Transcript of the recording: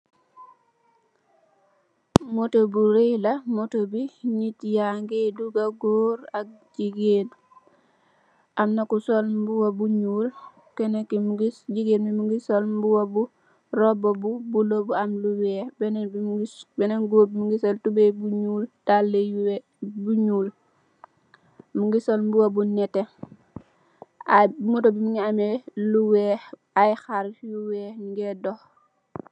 Motor bu ray la motor be neet yage doga goor ak jegain amna ku sol muba bu nuul kena ke muge jegain be muge sol muba bu rouba bu bulo bu am lu weex benen be benen goor be muge sol tubaye bu nuul dalle yu wee yu nuul muge sol muba bu nete ah motor be muge ameh lu weex aye haar yu weex nuge doh.